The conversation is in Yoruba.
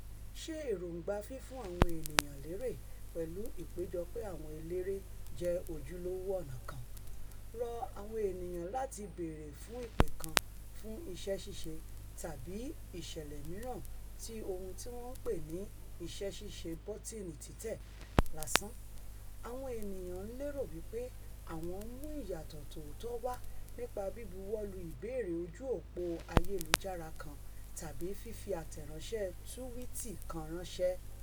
Sé èròǹgbà fífún àwọn ènìyàn lérè pẹ̀lú ìpéjọpè àwọn eléré jẹ ojúlówó ọ̀nà kan rọ àwọn ènìyàn láti bèèrè fún ìpè kan fún iṣẹ́ ṣíṣe, tàbí i̇̀ṣẹ̀lẹ mìíràn ti ohun tíwọ́n pè ní ''iṣẹ́ ṣíṣe bọ́tìnnì títẹ̀'' lásán - àwọn ènìyàn ńlérò wipr àwọn ńmú ìyàtọ̀ tóótọ̀ wá nípa bíbuwọ́lu ìbéèrè ojú-ópó ayelujara kan tàbí fífi àtẹ̀ránṣẹ́ tuwiti kan ránṣé?